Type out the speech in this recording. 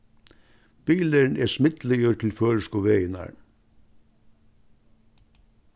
bilurin er smidligur til føroysku vegirnar